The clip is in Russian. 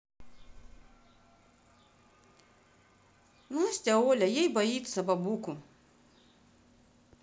настя оля ей боится бабуку